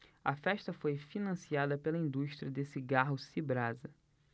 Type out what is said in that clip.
a festa foi financiada pela indústria de cigarros cibrasa